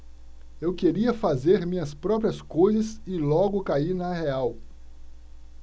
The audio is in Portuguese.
eu queria fazer minhas próprias coisas e logo caí na real